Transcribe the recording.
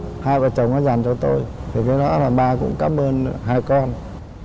hai vợ chồng nó dành cho tôi thì cái đó là ba cũng cảm ơn hai con